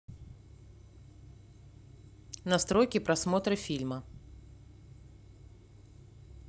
настройки просмотра фильма